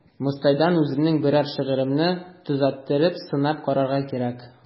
Мостайдан үземнең берәр шигыремне төзәттереп сынап карарга кирәк.